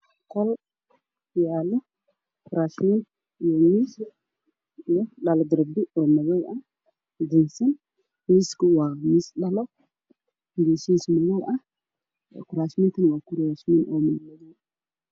Qol waxaa yaalo miis kuraas midabkooda yahay madow darbiga dhar ayaa ku dhagan midabkeedu yahay madow